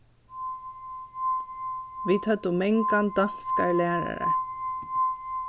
vit høvdu mangan danskar lærarar